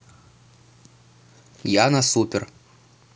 яна супер